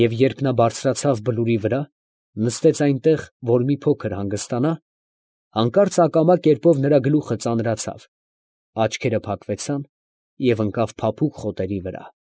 Եվ երբ նա բարձրացավ բլուրի վրա, նստեց այնտեղ, որ մի փոքր հանգստանա, հանկարծ ակամա կերպով նրա գլուխը ծանրացավ, աչքերը փակվեցան և ընկավ փափուկ խոտերի վրա։ ֊